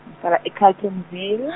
ngihlala e- Carletonville.